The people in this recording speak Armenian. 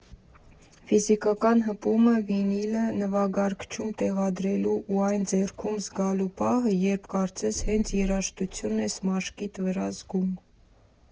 Ֆիզիկական հպումը, վինիլը նվագարկչում տեղադրելու ու այն ձեռքում զգալու պահը, երբ կարծես հենց երաժշտությունն ես մաշկիդ վրա զգում։